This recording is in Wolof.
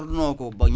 eskay